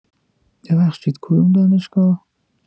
ببخشید کدوم دانشگاه؟